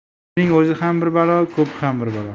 suvning ozi ham bir balo ko'pi ham bir balo